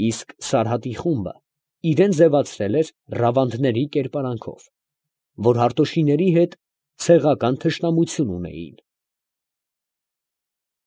Իսկ Սարհատի խումբը իրան ձևացրել էր Ռավանդների կերպարանքով, որ Հարտոշիների հետ ցեղական թշնամություն ունեին։